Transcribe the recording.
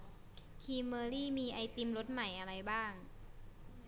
ครีมเมอรี่มีไอติมรสใหม่อะไรบ้าง